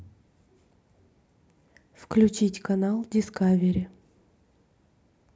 включить канал дискавери